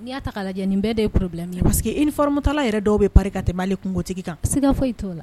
N'i y'a ta k'a lajɛ nin bɛɛ de ye problème parce que uniforme tala yɛrɛ dɔw bɛ pari ka tɛmɛ hali kunkotigi kan siga foyi t'o la